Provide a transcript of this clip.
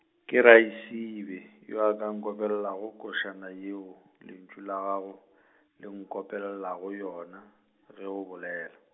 ke Raesibe yo a ka nkopelelago košana yeo, lentšu la gago, le nkopelelago yona, ge o bolela.